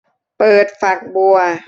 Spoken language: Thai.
เปิดฝักบัว